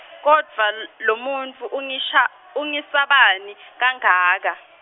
kodvwa l- lomuntfu, ungisha- ungesabani, kangaka.